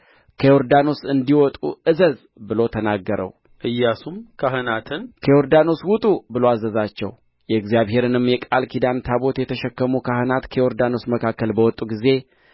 ከዮርዳኖስ እንዲወጡ እዘዝ ብሎ ተናገረው ኢያሱም ካህናትን ከዮርዳኖስ ውጡ ብሎ አዘዛቸው የእግዚአብሔርንም የቃል ኪዳኑን ታቦት የተሸከሙ ካህናት ከዮርዳኖስ መካከል በወጡ ጊዜ